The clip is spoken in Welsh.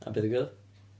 A be ddigwyddodd?